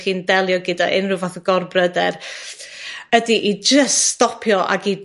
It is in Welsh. chi'n delio gyda unrhyw fath o gorbryder ydi i jys stopio ag i